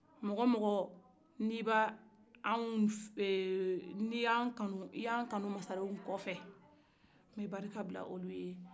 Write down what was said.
mɔgɔ o mɔgɔ n'i b'a anw euh n'i y'anw kanu i kanu masaren de kɔfɛ n bɛ barika bila olu ye